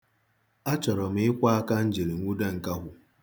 Achọrọ m ịkwọ aka m jiri nwụde nkakwụ.